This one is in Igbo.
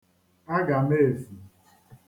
agàmefù